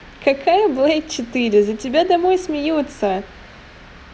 какая блейд четыре за тебя домой смеются